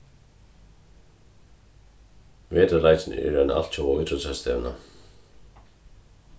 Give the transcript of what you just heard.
vetrarleikirnir eru ein altjóða ítróttastevna